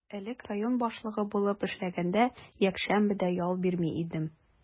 Элек район башлыгы булып эшләгәндә, якшәмбе дә ял бирми идем.